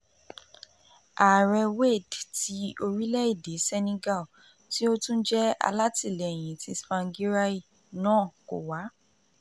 Ààrẹ Wade tí orílẹ̀-èdè Senegal, tí ó tún jẹ́ alátìlẹ́yìn Tsvangirai, náà kò wá.